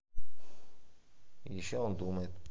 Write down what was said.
еще он думает